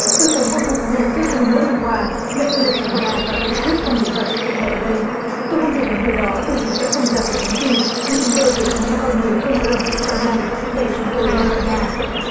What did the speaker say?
tôi sống ở khu phố này suốt hai mươi mốt năm qua mẹ tôi là chủ nhà và tôi quyết không để bà bị kẹt lại ở đây tôi không thể làm điều đó bởi vì sẽ không ra thể thống gì như chúng tôi để cho những con người không có lòng tự trọng này để chúng tôi ra khỏi nhà